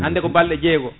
hande ko balɗe jeegom